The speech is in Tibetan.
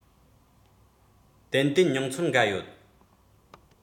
ཏན ཏན མྱོང ཚོར འགའ ཡོད